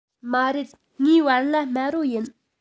མ རེད ངའི བལ ལྭ དམར པོ ཡིན